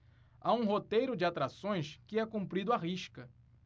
há um roteiro de atrações que é cumprido à risca